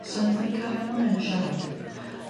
So naethon ni cario mlaen yn siarad